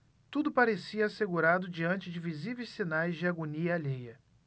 tudo parecia assegurado diante de visíveis sinais de agonia alheia